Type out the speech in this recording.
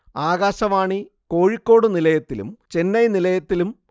ആകാശവാണി കോഴിക്കോട് നിലയത്തിലും ചെന്നൈ നിലയത്തിലും